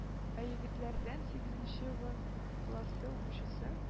Ә егетләрдән сигезенче вы классы укучысы